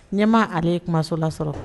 Ɲɛmaa ale ye kumaso lasɔrɔ.